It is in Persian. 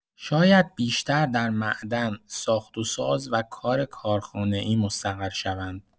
شاید بیشتر در معدن، ساخت و ساز و کار کارخانه‌ای مستقر شوند.